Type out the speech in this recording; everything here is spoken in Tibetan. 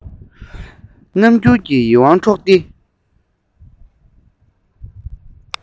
རྣམ འགྱུར གྱིས ཡིད དབང འཕྲོག སྟེ